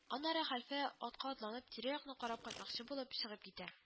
Аннары хәлфә атка атланып тирә-якны карап кайтмакчы булып, чыгып китә